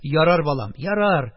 Ярар, балам, ярар,